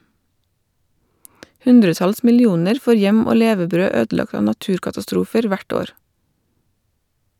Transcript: Hundretalls millioner får hjem og levebrød ødelagt av naturkatastrofer hvert år.